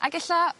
Ag e'lla